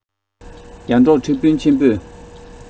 ཡར འབྲོག ཁྲི དཔོན ཆེན པོས